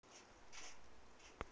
блядь читаю сообщения каталея поличева